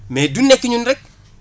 mais du nekk ñu rek